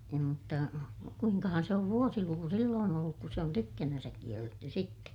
ei mutta kuinkahan se on vuosiluku silloin ollut kun se on tykkänään kielletty sitten